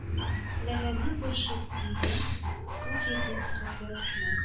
Ләләнең башы өстеннән, күк йөзен каплап, безнең